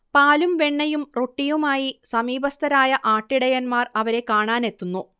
പാലും വെണ്ണയും റൊട്ടിയുമായി സമീപസ്തരായ ആട്ടിടയന്മാർ അവരെ കാണാനെത്തുന്നു